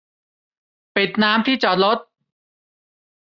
ปิดน้ำที่จอดรถ